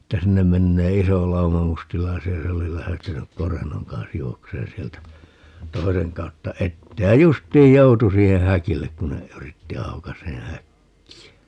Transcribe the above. että sinne menee iso lauma mustalaisia ja se oli lähtenyt korennon kanssa juoksemaan sieltä toisen kautta eteen ja justiin joutui siihen häkille kun ne yritti aukaisemaan häkkiä